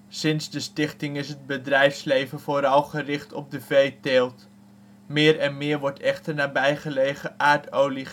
Sinds de stichting is het bedrijfsleven vooral gericht op de veeteelt. Meer en meer wordt echter nabijgelegen aardolie